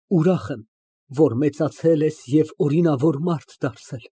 Ուրախ եմ, որ մեծացել ես և օրինավոր մարդ դարձել։